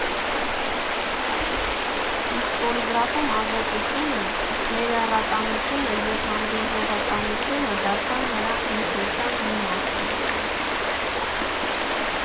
Իսկ Պոլիգրաֆում ազատությունը, ներառականությունը և հանդուրժողականությունը դարձան նրա ինքնության մի մասը։